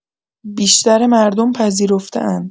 بیشتر مردم پذیرفته‌اند.